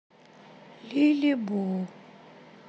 лили бу